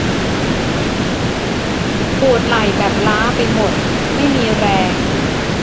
ปวดไหล่แบบล้าไปหมดไม่มีแรง